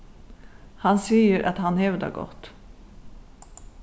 hann sigur at hann hevur tað gott